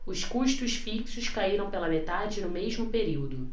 os custos fixos caíram pela metade no mesmo período